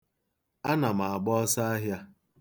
Ana m agba ọsọahịā.